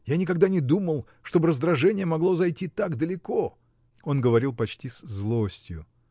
Я никогда не думал, чтоб раздражение могло зайти так далеко! Он говорил почти с злостью.